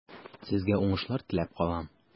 Сезгә уңышлар теләп калам.